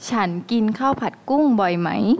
ฉันกินข้าวผัดกุ้งบ่อยไหม